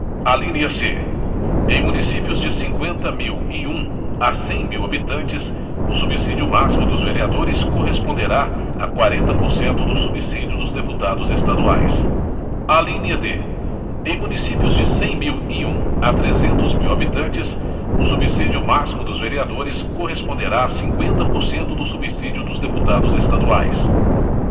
alínea c em municípios de cinqüenta mil e um a cem mil habitantes o subsídio máximo dos vereadores corresponderá a quarenta por cento do subsídio dos deputados estaduais alínea d em municípios de cem mil e um a trezentos mil habitantes o subsídio máximo dos vereadores corresponderá a cinqüenta por cento do subsídio dos deputados estaduais